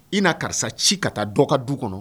I'a karisa ci ka taa dɔ ka du kɔnɔ